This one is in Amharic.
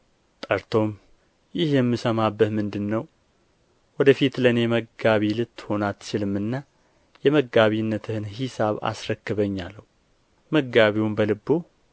ጠርቶም ይህ የምሰማብህ ምንድር ነው ወደ ፊት ለእኔ መጋቢ ልትሆን አትችልምና የመጋቢነትህን ሂሳብ አስረክበኝ አለው መጋቢውም በልቡ